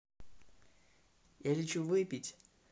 я лечу выпить